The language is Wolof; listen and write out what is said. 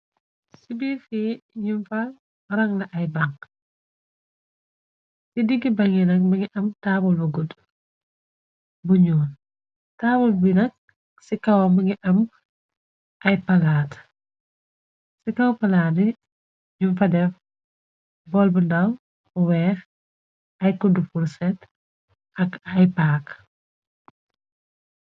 Ci biiri fi ñum fa rang la ay bank , ci digg ba ngi nag ba ngi am taabal bu guda bu ñuul, taabal bi nak ci kawam ngi am ay palaat , ci kaw palaati ñum fa def bol bu ndaw, bu weex ay kudd furset ak ay paak.